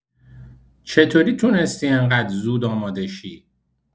چطوری تونستی انقد زود آماده شی؟